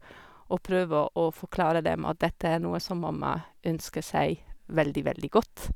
Og prøve å forklare dem at dette er noe som mamma ønsker seg veldig, veldig godt.